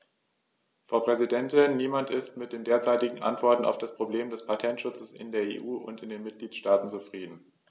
Frau Präsidentin, niemand ist mit den derzeitigen Antworten auf das Problem des Patentschutzes in der EU und in den Mitgliedstaaten zufrieden.